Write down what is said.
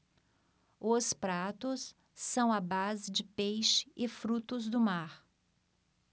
os pratos são à base de peixe e frutos do mar